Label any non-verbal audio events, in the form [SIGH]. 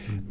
[HESITATION] [HESITATION]